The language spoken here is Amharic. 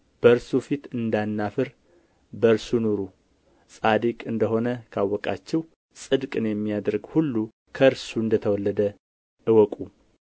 በእርሱ ፊት እንዳናፍር በእርሱ ኑሩ ጻድቅ እንደ ሆነ ካወቃችሁ ጽድቅን የሚያደርግ ሁሉ ከእርሱ እንደ ተወለደ እወቁ